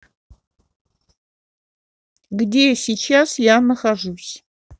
где сейчас я нахожусь